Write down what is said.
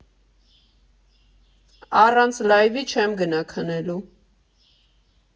Առանց լայվի չեմ գնա քնելու։